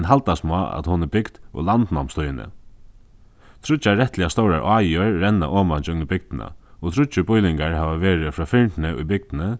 men haldast má at hon er bygd í landnámstíðini tríggjar rættiliga stórar áir renna oman gjøgnum bygdina og tríggir býlingar hava verið frá fyrndini í bygdini